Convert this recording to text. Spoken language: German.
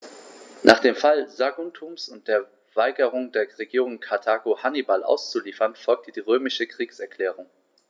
Nach dem Fall Saguntums und der Weigerung der Regierung in Karthago, Hannibal auszuliefern, folgte die römische Kriegserklärung.